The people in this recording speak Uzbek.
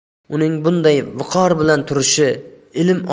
uning bunday viqor bilan turishi ilm